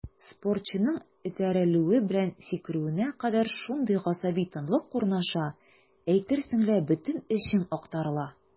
Спортчының этәрелүе белән сикерүенә кадәр шундый гасаби тынлык урнаша, әйтерсең лә бөтен эчең актарыла.